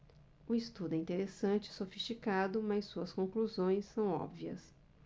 o estudo é interessante e sofisticado mas suas conclusões são óbvias